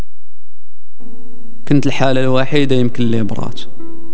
انت الحاله الوحيده يمكن للمراه